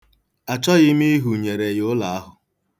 Achọghị m ihunyere ya ụlọ ahụ.